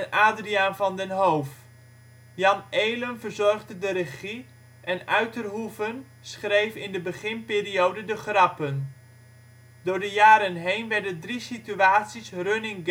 Adriaan Van den Hoof. Jan Eelen verzorgde de regie en Uytterhoeven schreef in de beginperiode de grappen. Door de jaren heen werden drie situaties running